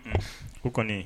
Ko kɔni